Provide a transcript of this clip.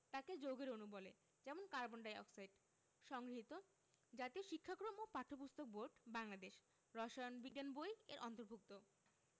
তাকে যৌগের অণু বলে যেমন কার্বন ডাই অক্সাইড সংগৃহীত জাতীয় শিক্ষাক্রম ও পাঠ্যপুস্তক বোর্ড বাংলাদেশ রসায়ন বিজ্ঞান বই এর অন্তর্ভুক্ত